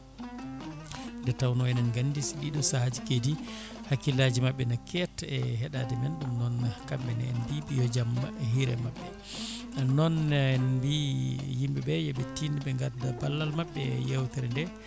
nde tawno enen gandi so ɗiɗo saahaji keedi hakkillaji mabɓe ne ketta e heeɗa men ɗum noo kamɓene en mbiɓe yo jaam hiire mabɓe nonne en mbi yimɓeɓe yooɓe tinno ɓe gadda ballal mabɓe e yewtere nde